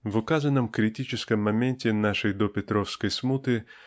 В указанном критическом моменте нашей допетровской "смуты"